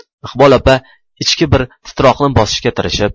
iqbol opa ichki bir titroqni bosishga tirishib